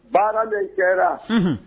Baara bɛ kɛra